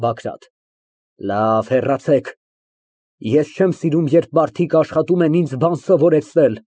ԲԱԳՐԱՏ ֊ Լավ, հեռացեք։ Ես չեմ սիրում, երբ մարդիկ աշխատում են ինձ բան սովորեցնել։